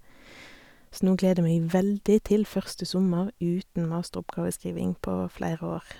Så nå gleder jeg meg veldig til første sommer uten masteroppgaveskriving på flere år.